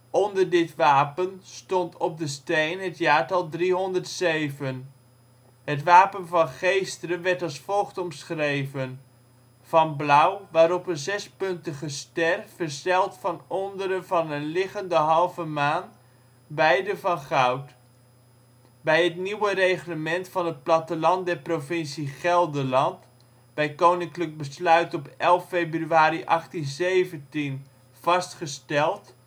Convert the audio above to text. Onder dit wapen stond op de steen het jaartal 307. Het wapen van Geesteren werd als volgt omschreven: ‘van blauw, waarop een zespuntige ster verzeld van onderen van een liggende halve maan (beiden van goud)’. Bij het nieuwe reglement van het platteland der provincie Gelderland, bij Koninklijk Besluit op 11 februari 1817 vastgesteld